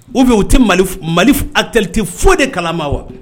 U bɛ u tɛ mali ali tɛ foyi de kalan ma wa